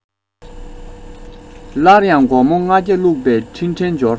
སླར ཡང སྒོར མོ ལྔ བརྒྱ བླུག པའི འཕྲིན ཕྲན འབྱོར